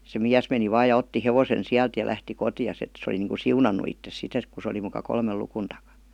se mies meni vain ja otti hevosen sieltä ja lähti kotiinsa että se oli niin kuin siunannut itsensä sitten et kun se oli muka kolmen luvun takana